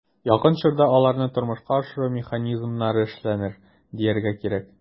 Якын чорда аларны тормышка ашыру механизмнары эшләнер, дияргә кирәк.